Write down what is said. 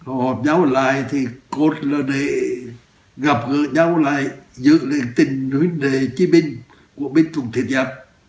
họ họp nhau lại thì cốt là để gặp gỡ nhau lại giữ lấy tình huynh đệ chí binh của binh chủng thiết giáp